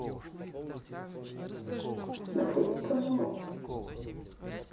смотреть про момо